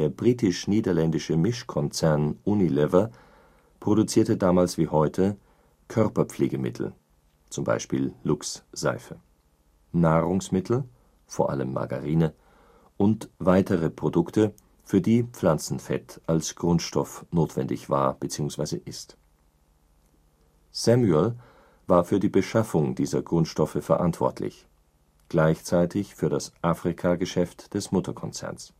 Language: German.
britisch-niederländische Mischkonzern Unilever produzierte damals wie heute Körperpflegemittel (z. B. Lux-Seife), Nahrungsmittel (vor allem Margarine) und weitere Produkte, für die Pflanzenfett als Grundstoff notwendig war bzw. ist. Samuel war für die Beschaffung dieser Grundstoffe verantwortlich, gleichzeitig für das Afrika-Geschäft des Mutterkonzerns